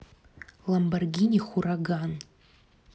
lamborghini хураган